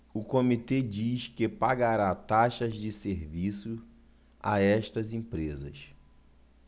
o comitê diz que pagará taxas de serviço a estas empresas